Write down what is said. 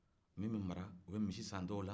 min bɛ mara u bɛ misi san dɔw la